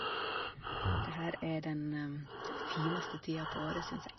Det her er den fineste tida på året, syns jeg.